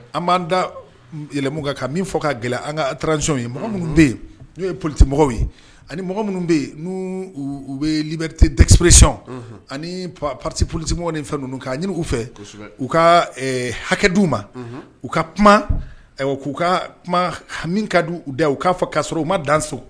An b'an da yɛlɛma kan ka min fɔ ka gɛlɛn an ka taarac ye minnu bɛ yen n'o ye politemɔgɔ ye ani mɔgɔ minnu bɛ yen n' u bɛ btegkiprey ani pte polisim fɛn ninnu k' fɛ u ka hakɛ di' uu ma u ka kuma k'u ka kumami ka di u da u k'a fɔ k'a sɔrɔ u ma danso